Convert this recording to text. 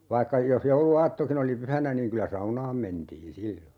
vaikka jos jouluaattokin oli pyhänä niin kyllä saunaan mentiin silloin